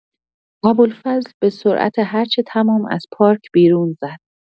ابوالفضل به‌سرعت هرچه تمام از پارک بیرون زد.